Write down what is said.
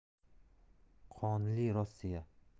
qonli rossiya